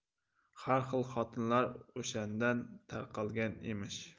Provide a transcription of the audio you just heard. har xil xotinlar o'shandan tarqalgan emish